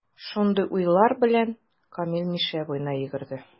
Шундый уйлар белән, Камил Мишә буена йөгерде.